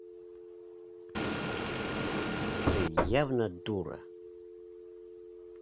ты явно дура